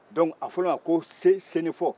dɔnku a fɔra u ma ko sɛnɛfɔ